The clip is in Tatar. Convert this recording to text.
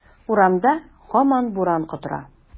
Урамда һаман буран котыра.